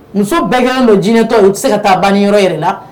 Muso bɛɛ kɛlen don jinɛtɔ, u tɛ se ka taa banni yɔrɔ yɛrɛ la